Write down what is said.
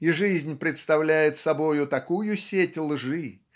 И жизнь представляет собою такую сеть лжи